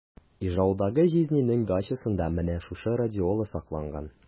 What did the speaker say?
Ижаудагы җизнинең дачасында менә шушы радиола сакланган.